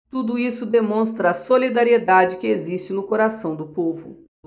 tudo isso demonstra a solidariedade que existe no coração do povo